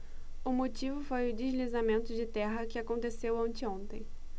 o motivo foi o deslizamento de terra que aconteceu anteontem